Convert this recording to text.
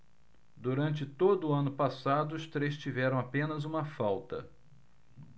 durante todo o ano passado os três tiveram apenas uma falta